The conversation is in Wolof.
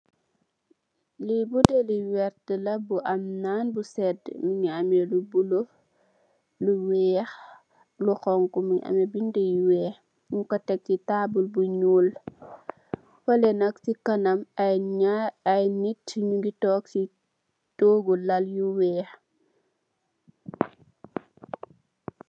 Lii buteli werta la bu am ku ñuul, am naan bu sedda, mu ngi am lu bulo, lu weex, lu xoñxu, mu ngi amee bindë yu weex. Ñung ko tek si taabul bu ñuul. Fali nak si kanam, ay ñentta ñu ngi toog ,si toogu lal yu weex.